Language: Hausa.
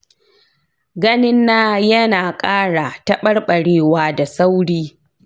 ganin na yana ƙara taɓarɓarewa da sauri.